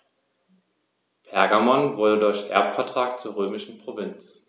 Pergamon wurde durch Erbvertrag zur römischen Provinz.